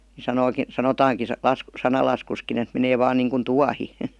niin sanoikin sanotaankin --- sananlaskussakin että menee vain niin kuin tuohi